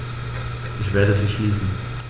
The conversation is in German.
Ich werde sie schließen.